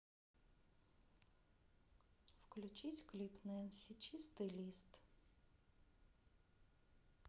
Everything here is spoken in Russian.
включить клип нэнси чистый лист